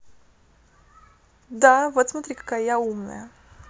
да вот смотри какая я умная